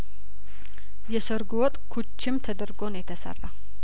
የሰርጉ ወጥ ኩችም ተደርጐ ነው የተሰራው